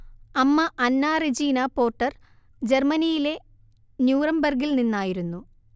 അമ്മ Anna Regina Porter ജർമ്മനിയിലെ ന്യൂറംബർഗ്ഗിൽ നിന്നായിരുന്നു